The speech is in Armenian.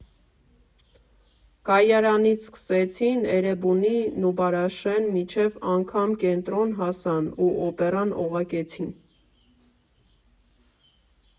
Կայարանից սկսեցին, Էրեբունի, Նուբարաշեն, մինչև անգամ Կենտրոն հասան ու Օպերան օղակեցին։